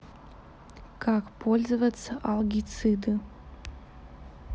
как пользоваться алгициды